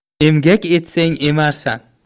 emgak etsang emarsan